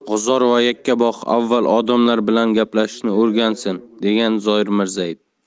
g'uzor va yakkabog' avval odamlar bilan gaplashishni o'rgansin degan zoir mirzayev